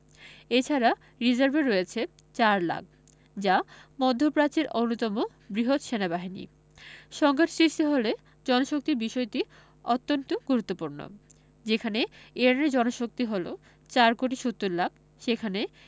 এ ছাড়া রিজার্ভে রয়েছে ৪ লাখ যা মধ্যপ্রাচ্যের অন্যতম বৃহৎ সেনাবাহিনী সংঘাত সৃষ্টি হলে জনশক্তির বিষয়টি অন্তত গুরুত্বপূর্ণ যেখানে ইরানের জনশক্তি হলো ৪ কোটি ৭০ লাখ সেখানে